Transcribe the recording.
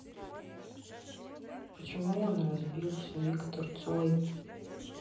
почему он разбился виктор цой